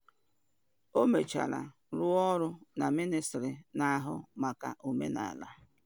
O mechara rụọ ọrụ na Mịnịstrị na-ahụ maka Omenaala.